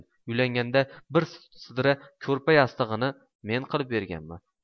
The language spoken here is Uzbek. uylanganda bir sidra ko'rpa yastig'ini man qilib berganman